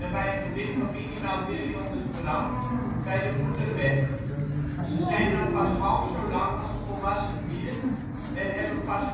gewicht van minimaal 300 gram) bij de moeder weg, ze zijn dan pas half zo lang als een volwassen dier en hebben pas